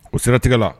O siratigɛ la